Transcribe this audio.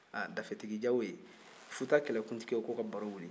ha dafetigi jawoyi futa kɛlɛkuntigi ko ka baro wuli